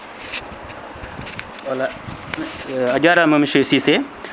voilà a jarama monsieur Cissé